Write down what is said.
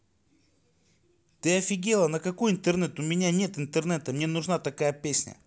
ты офигела на какой интернет у меня нет интернета мне нужна такая песня